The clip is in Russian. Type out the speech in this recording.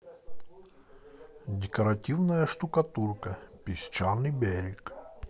декоративная штукатурка песчаный берег